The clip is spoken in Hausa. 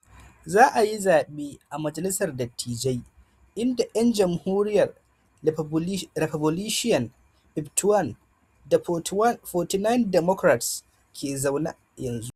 Za ayi zabe a majalisar dattijai, inda 'yan Jamhuriyar Republican 51 da 49 Democrats ke zaune yanzu.